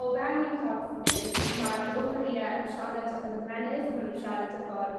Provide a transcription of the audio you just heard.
o fewn 'yn corff ni ma'r oferie yn siarad efo'r ymennydd ma' nw'n siarad efo'r